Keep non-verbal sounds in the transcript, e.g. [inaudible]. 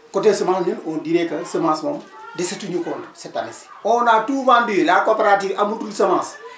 côté semence ñun on dirait que semence moom [crosstalk] desetuñu ko woon cette année ci on a tout vendu la cooperative amatuñu semence